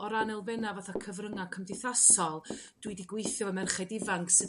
o ran elfenna' fatha' cyfryngau cymdeithasol dwi 'di gweithio efo merched ifanc sydd